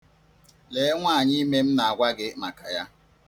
Lee nwaànyìime m na-agwa gị maka ya.